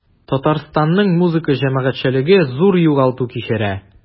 Татарстанның музыка җәмәгатьчелеге зур югалту кичерә.